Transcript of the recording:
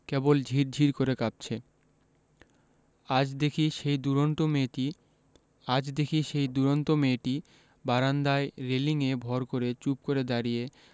কেবল ঝির ঝির করে কাঁপছে আজ দেখি সেই দূরন্ত মেয়েটি আজ দেখি সেই দূরন্ত মেয়েটি বারান্দায় রেলিঙে ভর দিয়ে চুপ করে দাঁড়িয়ে